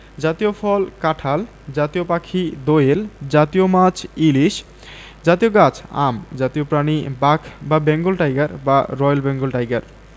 জাতীয় ফলঃ কাঁঠাল জাতীয় পাখিঃ দোয়েল জাতীয় মাছঃ ইলিশ জাতীয় গাছঃ আম জাতীয় প্রাণীঃ বাঘ বা বেঙ্গল টাইগার বা রয়েল বেঙ্গল টাইগার